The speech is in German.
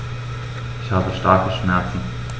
Ich habe starke Schmerzen.